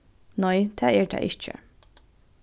nei tað er tað ikki